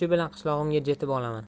bilan qishlog'imga jetib olaman